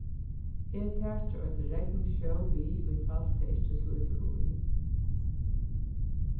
eg taki eitt regnskjól við í fall tað ikki slítur í